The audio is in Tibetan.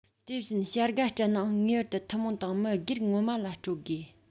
དེ བཞིན བྱ དགའ སྤྲད ནའང ངེས པར དུ ཐུན མོང དང མི སྒེར ངོ མ ལ སྤྲོད དགོས